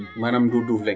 manaam nduduuf leŋ.